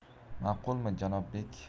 maqulmi janob bek